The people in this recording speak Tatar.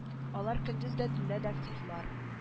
Алар көндез дә төнлә дә активлар